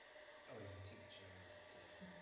Oh he's a teacher. O Duw.